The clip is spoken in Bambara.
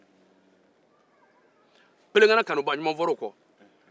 pelenkana kanubaa ɲuman fɔra o kɔ